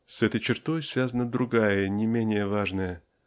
И с этой чертой связана другая, не менее важная